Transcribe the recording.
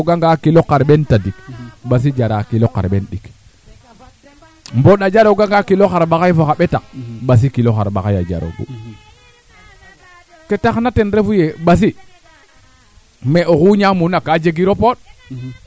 manaam o ngoolo nge i leyaa xarmbaxay kaaga i mbara an boog yaaga yee ax keeke ando naye kat naange teela mboor a mbaaga ndokoox bona xarmbaxay ten i mbaru ngiloox